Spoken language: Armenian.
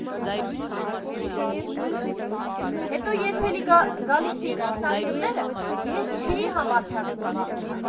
Հետո երբ էլի գալիս էին ինքնաթիռները, ես չէի համարձակվում վախենալ։